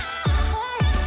theo